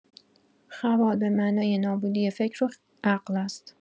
«خبال» به معنای نابودی فکر و عقل است.